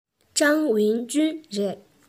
ཀྲང ཝུན ཅུན རེད